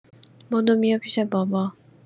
بدو بیا پیش بابا